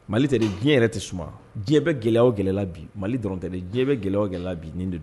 Malitɛ de diɲɛ yɛrɛ tɛ suma diɲɛ bɛ gɛlɛya gɛlɛla bi mali dɔrɔnte dɛ diɲɛ bɛ gɛlɛya gɛlɛla bi nin de don